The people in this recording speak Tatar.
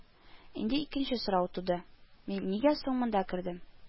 Инде икенче сорау туды: «Мин нигә соң монда кердем